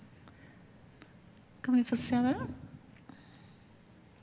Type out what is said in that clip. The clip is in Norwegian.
kan vi få se det?